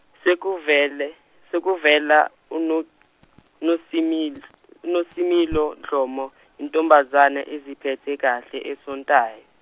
sekuvele, sekuvela uNo- Nosimilo, uNosimilo Dlomo, intobazane eziphethe kahle esontayo.